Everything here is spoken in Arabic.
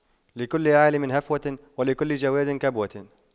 لكل عالِمٍ هفوة ولكل جَوَادٍ كبوة